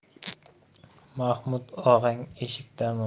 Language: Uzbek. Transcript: mahmud og'ang eshikdami